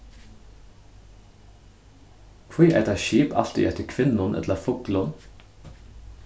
hví eita skip altíð eftir kvinnum ella fuglum